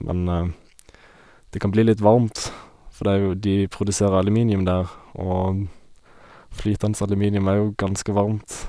Men det kan bli litt varmt, for det er jo de produserer aluminium der, og flytende aluminium er jo ganske varmt.